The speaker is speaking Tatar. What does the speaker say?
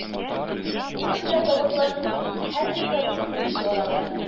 Муромда заводлар күп, хәрби продукция чыгаралар